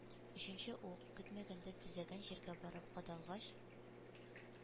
Өченче ук, көтмәгәндә төзәгән җиргә барып кадалгач,